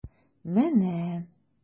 Менә...